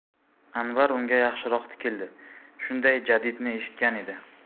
anvar unga yaxshiroq tikildi shunday jadidni eshitgan edi